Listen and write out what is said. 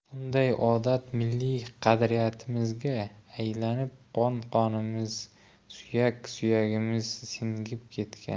bunday odat milliy qadriyatimizga aylanib qon qonimiz suyak suyagimizga singib ketgan